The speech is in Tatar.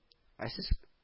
Ә сез